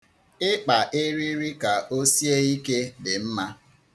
Ịkpa eriri ka o sie ike dị mma.